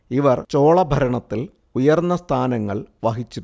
ഇവർ ചോള ഭരണത്തിൽ ഉയർന്ന സ്ഥാനങ്ങൾ വഹിച്ചിരുന്നു